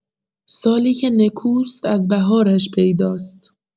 سالی که نکوست از بهارش پیداست!